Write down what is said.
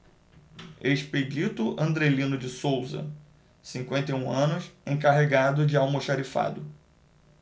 expedito andrelino de souza cinquenta e um anos encarregado de almoxarifado